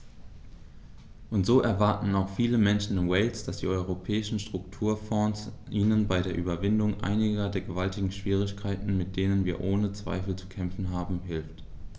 Und so erwarten auch viele Menschen in Wales, dass die Europäischen Strukturfonds ihnen bei der Überwindung einiger der gewaltigen Schwierigkeiten, mit denen wir ohne Zweifel zu kämpfen haben, hilft.